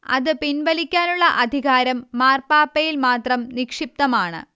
അത് പിൻവലിക്കാനുള്ള അധികാരം മാർപ്പാപ്പയിൽ മാത്രം നിക്ഷിപ്തമാണ്